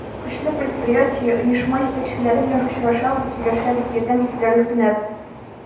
Көчле предприятие, оешма җитәкчеләре белән очрашабыз, сөйләшәбез, ярдәм итүләрен үтенәбез.